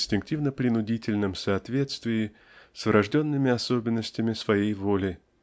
инстинктивно-принудительном соответствии с врожденными особенностями своей воли